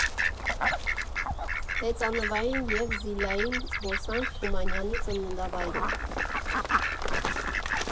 Հեծանվային և զիլային զբոսանք Թումանյանի ծննդավայրում։